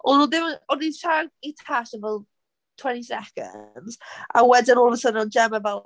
O'n nhw ddim yn... O'n nhw'n siarad i Tash am fel twenty seconds a wedyn all of a sudden oedd Gemma fel...